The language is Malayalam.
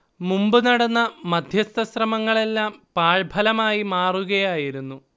മുമ്പ് നടന്ന മധ്യസ്ഥ ശ്രമങ്ങളെല്ലാം പാഴ്ഫലമായി മാറുകയായിരുന്നു